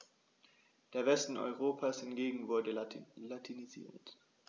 Der Westen Europas hingegen wurde latinisiert.